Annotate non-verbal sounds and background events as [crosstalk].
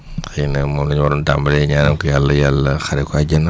[breath] xëy na moom la ñu waroon tàmbalee ñaanal ko yàlla yàlla xaaree ko àjjana